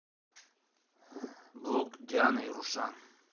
блог диана и рушан